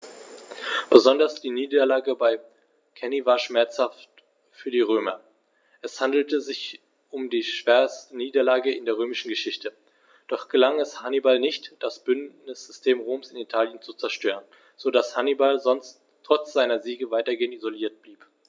Besonders die Niederlage bei Cannae war schmerzhaft für die Römer: Es handelte sich um die schwerste Niederlage in der römischen Geschichte, doch gelang es Hannibal nicht, das Bündnissystem Roms in Italien zu zerstören, sodass Hannibal trotz seiner Siege weitgehend isoliert blieb.